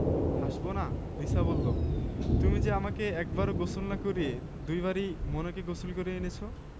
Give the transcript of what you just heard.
হাসবোনা লিসা বললো তুমি যে আমাকে একবারও গোসল না করিয়ে দুবারই মোনাকে গোসল করিয়ে এনেছো